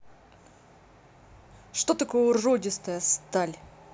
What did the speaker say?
что такое уродистая сталь